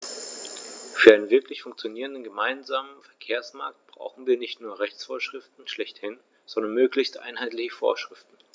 Für einen wirklich funktionierenden gemeinsamen Verkehrsmarkt brauchen wir nicht nur Rechtsvorschriften schlechthin, sondern möglichst einheitliche Vorschriften.